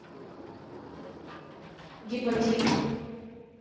гепатит